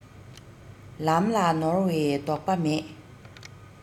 ལམ ལ ནོར བའི དོགས པ མེད